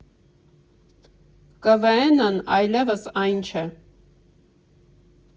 ԿՎՆ֊ն այլևս այն չէ։